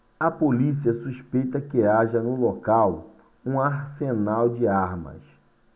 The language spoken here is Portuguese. a polícia suspeita que haja no local um arsenal de armas